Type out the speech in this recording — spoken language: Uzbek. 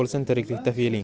bo'lsin tiriklikda fe'ling